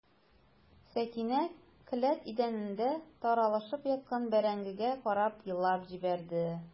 Сәкинә келәт идәнендә таралышып яткан бәрәңгегә карап елап җибәрде.